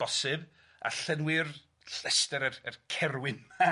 bosib a llenwi'r llestr yr yr cerwyn. ...